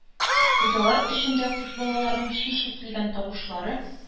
Оялар эчендә кош балаларының “чи-чи” килгән тавышлары